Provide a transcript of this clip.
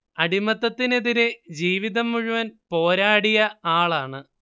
അടിമത്തത്തിനെതിരെ ജീവിതം മുഴുവൻ പോരാടിയ ആളാണ്